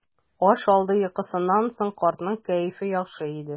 Аш алды йокысыннан соң картның кәефе яхшы иде.